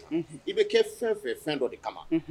I bɛ kɛ fɛn fɛ fɛn dɔ de kama